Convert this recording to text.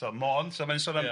So Môn, so mae'n sôn am